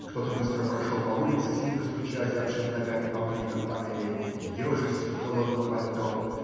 Кто-то быстро прошел по улице, сильно стуча озябшими ногами по плитам панели и ежась в холодном пальто